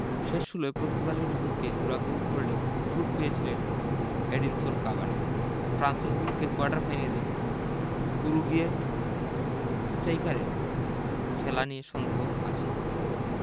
শেষ ষোলোয় পর্তুগালের বিপক্ষে জোড়া গোল করলেও চোট পেয়েছিলেন এডিনসন কাভানি ফ্রান্সের বিপক্ষে কোয়ার্টার ফাইনালে উরুগুয়ে স্টাইকারের খেলা নিয়ে সন্দেহ আছে